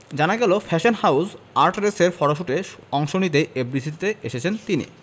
জানা গেল fashion house আর্টরেসের ফটশুটে অংশ নিতেই এফডিসিতে এসেছেন তিনি